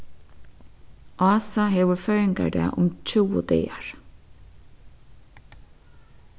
ása hevur føðingardag um tjúgu dagar